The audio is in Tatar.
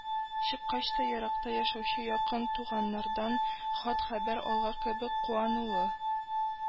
Чыккач та, еракта яшәүче якын туганнардан хат-хәбәр алган кебек, куанулы